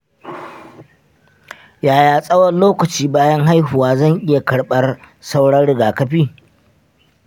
yaya tsawon lokaci bayan haihuwa zan iya karɓar sauran rigakafi?